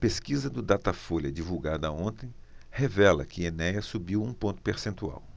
pesquisa do datafolha divulgada ontem revela que enéas subiu um ponto percentual